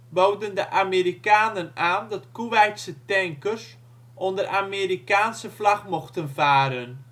boden de Amerikanen aan dat Koeweitse tankers onder Amerikaanse vlag mochten varen